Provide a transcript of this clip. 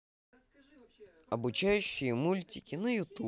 обучающие мультики на ютуб